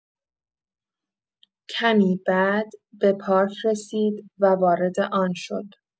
کمی بعد، به پارک رسید و وارد آن شد.